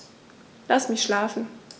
Lass mich schlafen